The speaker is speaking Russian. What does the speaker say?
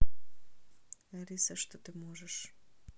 алиса что ты можешь